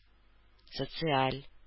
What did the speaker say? Социаль